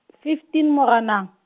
fifteen Moranang.